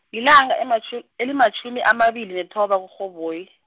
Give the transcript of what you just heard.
lilanga ematjhu- elimatjhumi amabili nethoba kuRhoboyi.